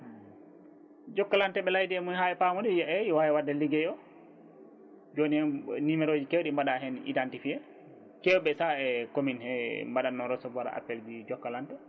Jokalante ɓe layde mumen haɓe pamodir yi eyyi wawi wadde ligguey o joni numéro uji kewɗi mbaɗa hen identifier kewɓe saah e commune he ɓe mbaɗanno recevoire appel du Jokalante